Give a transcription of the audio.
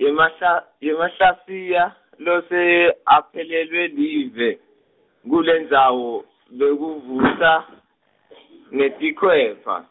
yeMahla- yeMahlasiya, lose, aphelelwa live, kulendzawo, bekuvusa , ngetikhwepha.